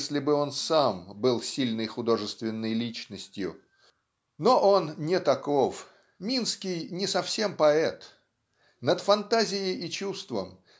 если бы он сам был сильной художественной личностью. Но он не таков. Минский не совсем поэт. Над фантазией и чувством